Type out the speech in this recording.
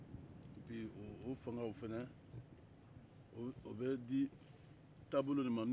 mɛ o fango o fana o bɛ di taabolo de ma